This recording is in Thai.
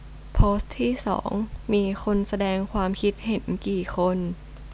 โพสต์ที่สองมีคนแสดงความคิดเห็นกี่คน